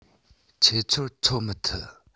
ཁྱེད ཚོར ཚོར མི ཐུབ